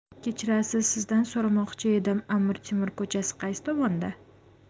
kechirasiz sizdan so'ramoqchi edim amir temur ko'chasi qaysi tomonda